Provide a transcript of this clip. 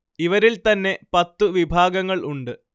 ഇവരിൽ തന്നെ പത്തു വിഭാഗങ്ങൾ ഉണ്ട്